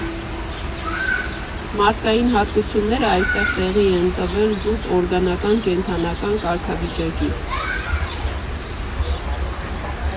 «Մարդկային» հատկությունները այստեղ տեղի են տվել զուտ օրգանական֊կենդանական կարգավիճակի։